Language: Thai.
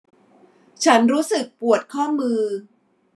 ฉันรู้สึกปวดข้อมือ